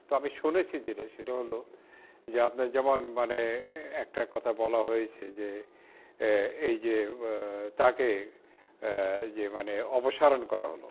তো আমি শুনেছি যেটা এটা হল আপনার যেমন মানে একটা কথা বলা হয়েছে এই যে তাকে এই যে মানে অপসারণ করা হলো